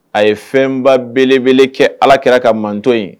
A ye fɛnba belebele kɛ ala kɛra ka manto ye